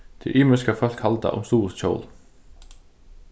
tað er ymiskt hvat fólk halda um stuðulshjól